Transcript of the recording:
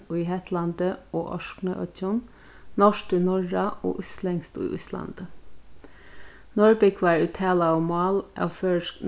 í hetlandi og orknoyggjum norskt í noregi og íslendskt í íslandi norðbúgvar ið talaðu mál av